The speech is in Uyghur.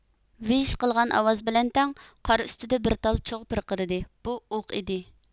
ۋىژ قىلغان ئاۋاز بىلەن تەڭ قار ئۈستىدە بىر تال چوغ پىرقىرىدى بۇ ئوق ئىدى